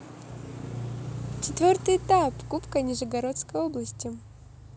четвертый этап кубка нижегородской области